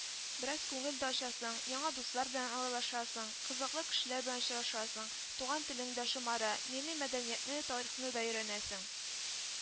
Бераз күңел дә ачасың, яңа дуслар белән аралашасың, кызыклы кешеләр белән очрашасың, туган телең дә шомара, милли мәдәнияне, тарихны да өйрәнәсең